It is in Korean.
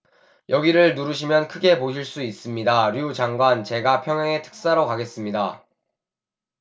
여기를 누르시면 크게 보실 수 있습니다 류 장관 제가 평양에 특사로 가겠습니다